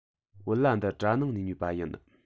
བོད ལྭ འདི གྲ ནང ནས ཉོས པ ཡིན